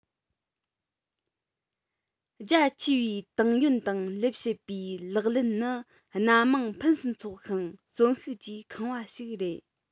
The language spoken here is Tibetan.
རྒྱ ཆེའི ཏང ཡོན དང ལས བྱེད པའི ལག ལེན ནི སྣ མང ཕུན སུམ ཚོགས ཤིང གསོན ཤུགས ཀྱིས ཁེངས པ ཞིག རེད